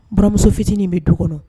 Baramuso fitinin nin bɛ du kɔnɔ